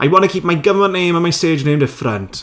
I want to keep my government name and my stage name different.